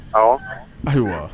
Ayiwa